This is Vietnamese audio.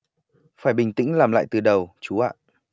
phải bình tĩnh làm lại từ đầu chú ạ